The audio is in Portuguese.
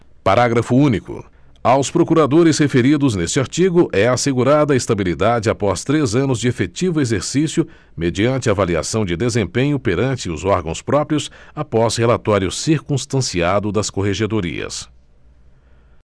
parágrafo único aos procuradores referidos neste artigo é assegurada estabilidade após três anos de efetivo exercício mediante avaliação de desempenho perante os órgãos próprios após relatório circunstanciado das corregedorias